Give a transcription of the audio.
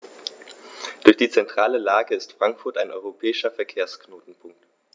Durch die zentrale Lage ist Frankfurt ein europäischer Verkehrsknotenpunkt.